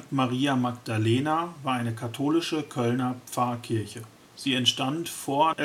Maria Magdalena war eine katholische Kölner Pfarrkirche. Sie entstand vor